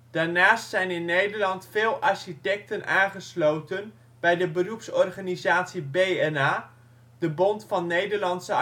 Daarnaast zijn in Nederland veel architecten aangesloten bij de beroepsorganisatie BNA, de Bond van Nederlandse